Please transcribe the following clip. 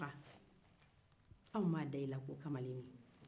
anw m'a da i la ko kamalennin